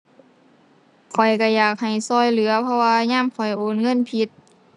ข้อยก็อยากให้ก็เหลือ เพราะว่ายามข้อยโอนเงินผิด